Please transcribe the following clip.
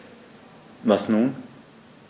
Was nun?